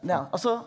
ja altså.